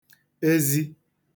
ezi